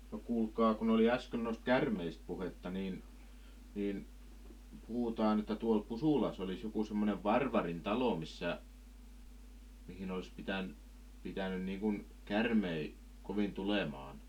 no kuulkaa kun oli äsken noista käärmeistä puhetta niin niin puhutaan että tuolla Pusulassa olisi joku semmoinen Varvarin talo missä mihin olisi - pitänyt niin kuin käärmeitä kovin tuleman